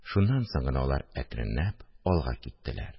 Шуннан соң гына алар әкренләп алга киттеләр